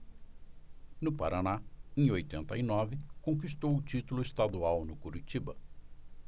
no paraná em oitenta e nove conquistou o título estadual no curitiba